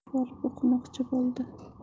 kitob olib o'qimoqchi bo'ldi